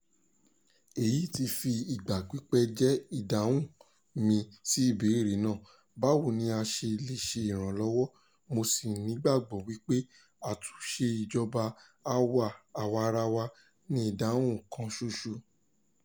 Èyí ti fi ìgbà pípẹ́ jẹ́ ìdáhùn mi sí ìbéèrè náà "báwo ni a ṣe lè ṣe ìrànwọ́?" Mo ṣì ní ìgbàgbọ́ wípé [àtúnṣe ìjọba àwa-arawa] ni ìdáhùn kan ṣoṣo.